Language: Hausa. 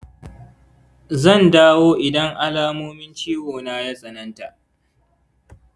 zandawo idan alamomin ciwona ya tsananta.